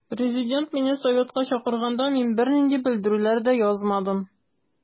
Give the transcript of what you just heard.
Президент мине советка чакырганда мин бернинди белдерүләр дә язмадым.